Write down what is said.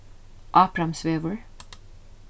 ápramsvegur